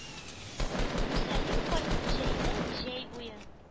Мөсәллим карт җәйнең-җәй буе